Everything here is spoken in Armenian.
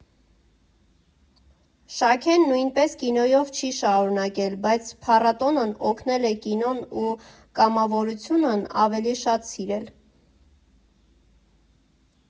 Շաքեն նույնպես կինոյով չի շարունակել, բայց փառատոնն օգնել է կինոն ու կամավորությունն ավելի շատ սիրել։